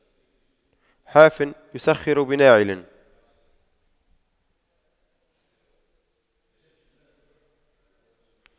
حافٍ يسخر بناعل